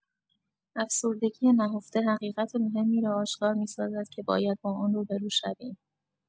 افسردگی نهفته حقیقت مهمی را آشکار می‌سازد که باید با آن روبه‌رو شویم.